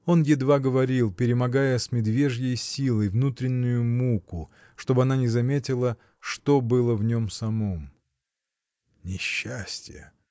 Он едва говорил, перемогая с медвежьей силой внутреннюю муку, чтоб она не заметила, что было в нем самом. — Несчастье!